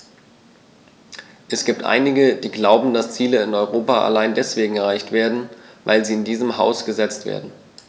Es gibt einige, die glauben, dass Ziele in Europa allein deswegen erreicht werden, weil sie in diesem Haus gesetzt werden.